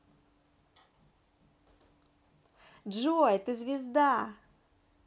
джой ты звезда